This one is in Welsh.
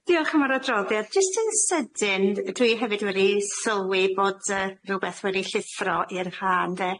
Diolch am yr adroddiad. Jyst yn sydyn, dwi hefyd wedi sylwi bod yy rwbeth wedi llithro i'r ha', ynde.